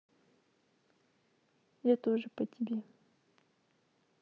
я тоже по тебе